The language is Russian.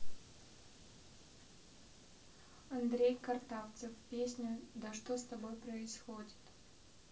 андрей картавцев песня да что с тобой происходит